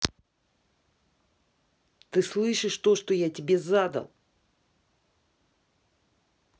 ты слышишь то что я тебе задал